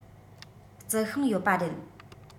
རྩི ཤིང ཡོད པ རེད